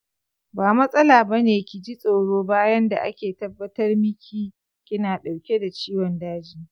ba matsala bane kiji tsoro bayan da aka tabbatar miki kina dauke da ciwon daji.